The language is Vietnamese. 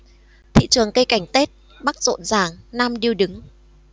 thị trường cây cảnh tết bắc rộn ràng nam điêu đứng